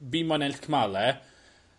fi moyn ennill cymale